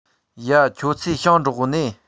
ཡ ཁྱོད ཚོས ཞིང འབྲེག གོ ནིས